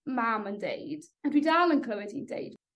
mam yn deud, a dwi dal yn clywed 'i'n deud